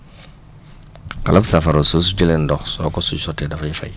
xalab safara soo si jëlee ndox soo ko si sottee dafay fay